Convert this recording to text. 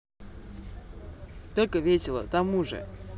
только весело тому же